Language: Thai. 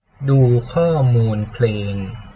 ดูข้อมูลเพลง